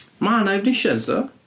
Mae 'na Efnisiens ddo.